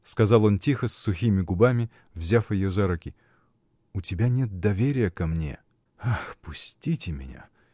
— сказал он тихо, с сухими губами, взяв ее за руки, — у тебя нет доверия ко мне! — Ах, пустите меня!